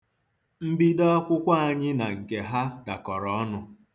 Mbido akwụkwọ anyị na nke ha dakọrọ ọnụ.